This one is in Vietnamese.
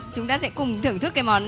chúng ta sẽ cùng thưởng thức cái món